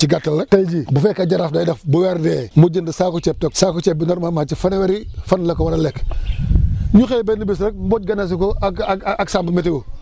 ci gàttal rek tey jii bu fekkee jaraaf day def bu weer deyee mu jënd saako ceeb teg saako ceeb bi normalement ci fanweeri fan la ko war a lekk ñu xëy benn bés rek Mbodj gane si ko ak ak ak Samb météo